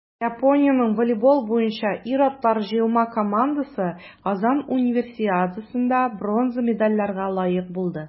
Япониянең волейбол буенча ир-атлар җыелма командасы Казан Универсиадасында бронза медальләргә лаек булды.